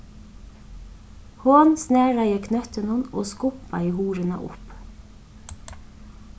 hon snaraði knøttinum og skumpaði hurðina upp